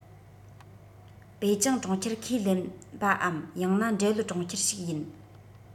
པེ ཅིང གྲོང ཁྱེར ཁས ལེན པའམ ཡང ན འབྲེལ ཡོད གྲོང ཁྱེར ཞིག ཡིན